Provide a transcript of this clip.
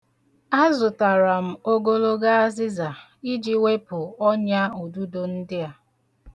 Azụtara m ogologo azịza iji wepụ ọnyaududo ndị a.